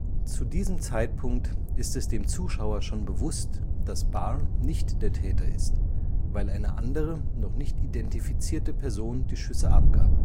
Zu diesem Zeitpunkt ist es dem Zuschauer schon bewusst, dass Barr nicht der Täter ist, weil eine andere noch nicht identifizierte Person die Schüsse abgab